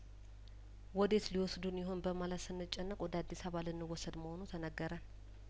ወዴት ሊወስዱን ይሆን በማለት ስንጨነቅ ወደ አዲስአባ ልንወሰድ መሆኑ ተነገረን